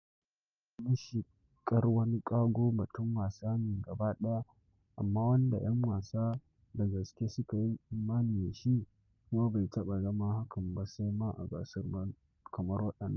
Canjin halin da ake cikin na shekar wani ƙago batun wasa ne gaba ɗaya amma wanda ‘yan wasa da gaske suka yi imani da shi, kuma bai taɓa zama hakan ba sai ma a gasa kamar waɗannan.